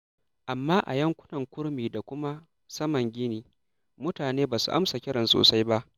Amma a yankunan kurmi da kuma saman Gini, mutanen ba su amsa kiran sosai ba.